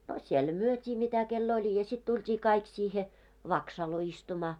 a siellä myytiin mitä kenellä oli ja sitten tultiin kaikki siihen vaksaloon istumaan